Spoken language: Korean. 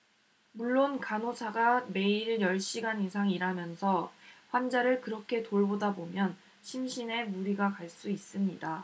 물론 간호사가 매일 열 시간 이상 일하면서 환자를 그렇게 돌보다 보면 심신에 무리가 갈 수 있습니다